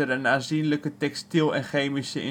een aanzienlijke textiel - en chemische